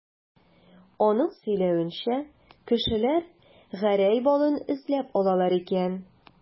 Аның сөйләвенчә, кешеләр Гәрәй балын эзләп алалар икән.